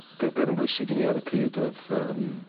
be' be' o'dd yn bwysig i ni ar y pryd oedd yym